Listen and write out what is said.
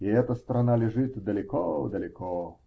и эта страна лежит далеко-далеко.